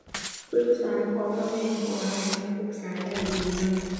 ปรึกษาพ่อกับแม่ เพราะว่าให้คำปรึกษาได้ดีมาก